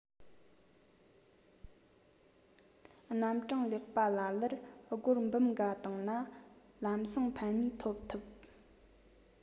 རྣམ གྲངས ལེགས པ ལ ལར སྒོར འབུམ འགའ བཏང ན ལམ སང ཕན ནུས ཐོན ཐུབ